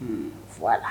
Unhun, voila